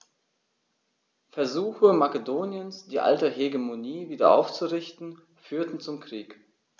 Versuche Makedoniens, die alte Hegemonie wieder aufzurichten, führten zum Krieg.